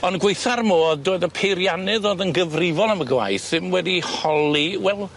On' gweitha'r modd doedd y peiriannydd o'dd yn gyfrifol am y gwaith ddim wedi holi wel